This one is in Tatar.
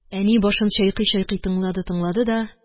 Әни башын чайкый-чайкый тыңлады-тыңлады да